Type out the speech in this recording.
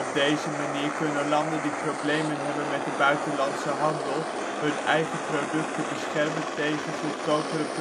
deze manier kunnen landen die problemen hebben met de buitenlandse handel, hun eigen producten beschermen tegen goedkopere